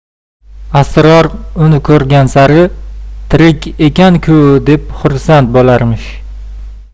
asror uni ko'rgan sari tirik ekan ku deb xursand bo'larmish